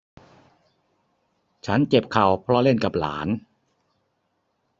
ฉันเจ็บเข่าเพราะเล่นกับหลาน